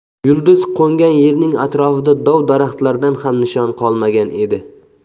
yulduz qo'ngan yerning atrofida dov daraxtlardan ham nishon qolmagan edi